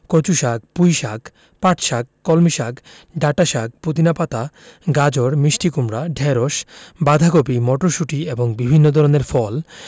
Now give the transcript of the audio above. কচুশাক পুঁইশাক পাটশাক কলমিশাক ডাঁটাশাক পুদিনা পাতা গাজর মিষ্টি কুমড়া ঢেঁড়স বাঁধাকপি মটরশুঁটি এবং বিভিন্ন ধরনের ফল